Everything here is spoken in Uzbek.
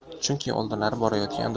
chunki oldinda borayotgan